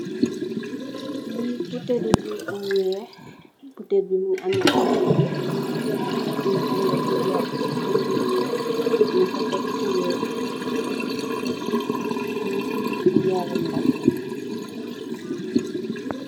Li buteel li dew bu weeh, buteel bi mungi ameh ay bindd, mungi ameh lu vert, bindi yu weeh nung ko tekk fu weeh. Li dewi yaram la.